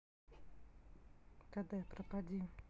td пропади